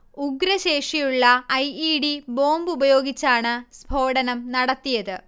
ഉഗ്രശേഷിയുള്ള I. E. D. ബോംബുപയോഗിച്ചാണ് സ്ഫോടനം നടത്തിയത്